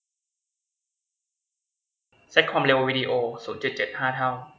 เซ็ตความเร็ววีดีโอศูนย์จุดเจ็ดห้าเท่า